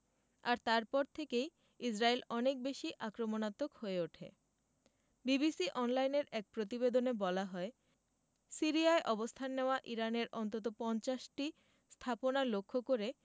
আর তারপর থেকেই ইসরায়েল অনেক বেশি আক্রমণাত্মক হয়ে ওঠে বিবিসি অনলাইনের এক প্রতিবেদনে বলা হয় সিরিয়ায় অবস্থান নেওয়া ইরানের অন্তত ৫০টি স্থাপনা লক্ষ্য করে